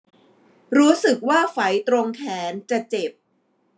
รู้สึกว่าไฝตรงแขนจะเจ็บ